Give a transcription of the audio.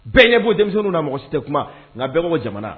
Bɛɛ ɲɛ bɔ denmisɛnnin na mɔgɔ tɛ kuma nka bɛɛ jamana